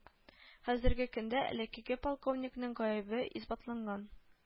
Хәзерге көндә элеккеге полковникның гаебе исбатланган